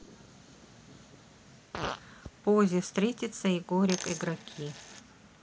поззи встретиться егорик игроки